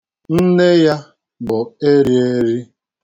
Nne ya bụ erieri.